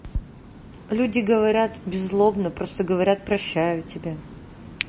люди говорят беззлобно просто говорят прощаю тебя